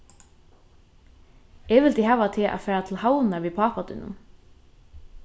eg vildi hava teg at fara til havnar við pápa tínum